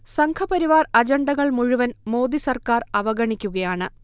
സംഘപരിവാർ അജണ്ടകൾ മുഴുവൻ മോദി സർക്കാർ അവഗണിക്കുകയാണ്